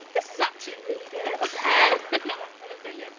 This is actually really good! Na, oedd e’n briliant.